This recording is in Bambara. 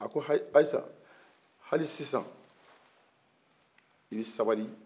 a ko ayise hali sisan e bɛ sabali